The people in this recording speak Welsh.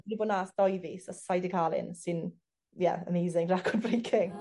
...fi 'di bo' 'na e's doi fis a soi 'di ca'l un sy'n ie amazing record breaking.